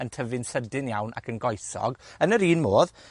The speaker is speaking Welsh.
yn tyfu'n sydyn iawn, ac yn goesog. Yn yr un modd,